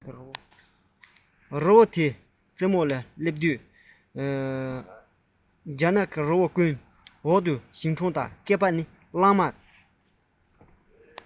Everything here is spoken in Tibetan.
རི བོ འདིའི རྩེ མོ བདེ བླག ངང སླེབས སོང རྒྱ ནག གི རི བོ ཀུན འོག ཏུ ཞིང གྲོང དང སྐེད པ ནི གླང མ དང